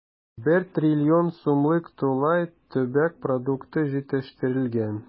1 трлн сумлык тулай төбәк продукты җитештерелгән.